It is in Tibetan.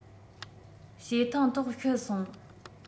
བྱེ ཐང ཐོག ཤི སོང